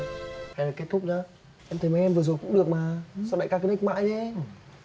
em kết thúc nhé em thấy mấy em vừa rồi cũng được mà sao đại ca cứ nếch mãi thế